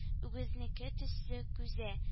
Үгезнеке төсе күзе